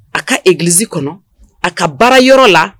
A ka e gilisi kɔnɔ a ka baara yɔrɔ la